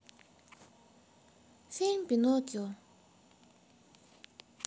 фильм пинокио